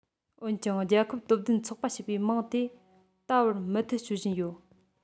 འོན ཀྱང རྒྱལ ཁབ དོན བདུན ཚོགས པ ཞེས པའི མིང དེ ད བར མུ མཐུད སྤྱོད བཞིན ཡོད